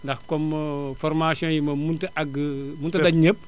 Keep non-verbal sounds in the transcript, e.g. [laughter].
ndax comme [hesitation] formations yi moom mënta àgg [hesitation] mënta daj ñëpp